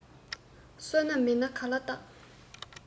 བསོད ནམས མེད ན ག ལ རྟག